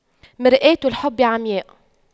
مرآة الحب عمياء